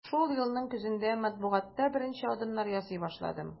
Шул елның көзендә матбугатта беренче адымнар ясый башладым.